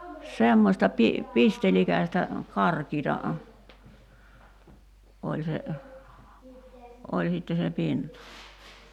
semmoista - pistelikästä karkeata oli se oli sitten se pinta